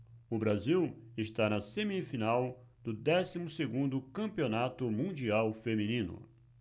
o brasil está na semifinal do décimo segundo campeonato mundial feminino